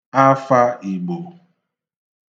afā Ìgbò